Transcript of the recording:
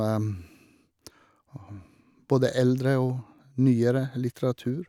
Både eldre og nyere litteratur.